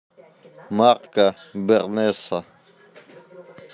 марка бернеса